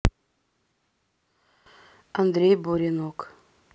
андрей буренок